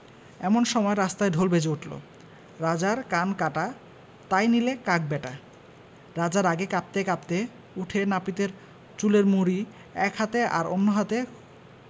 এমন সময় রাস্তায় ঢোল বেজে উঠল ‘রাজার কান কাটা তাই নিলে কাক ব্যাটা রাজা রাগে কাঁপতে কাঁপতে উঠে নাপিতের চুলের মুঠি এক হাতে আর অন্য হাতে